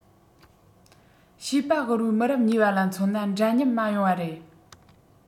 བྱིས པ དབུལ པོའི མི རབས གཉིས པ ལ མཚོན ན འདྲ མཉམ མ ཡོང བ རེད